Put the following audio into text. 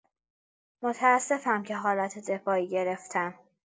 متاسفم که حالت دفاعی گرفتم.